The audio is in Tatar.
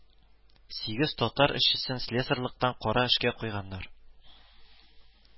Сигез татар эшчесен слесарьлыктан кара эшкә куйганнар